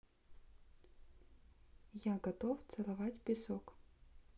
я готов целовать песок